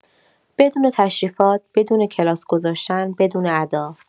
بدون تشریفات، بدون کلاس گذاشتن، بدون ادا.